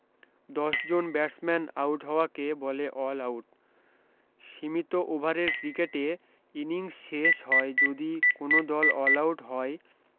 দশ জন batsman out হওয়াকে বলে অল আউট সীমিত ওভারের ক্রিকেটে ইনিংস শেষ হয় যদি কোন দল অলাউট হয়